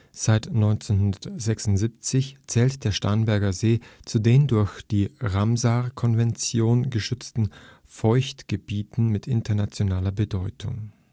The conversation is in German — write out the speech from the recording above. Seit 1976 zählt der Starnberger See zu den durch die Ramsar-Konvention geschützten Feuchtgebieten mit internationaler Bedeutung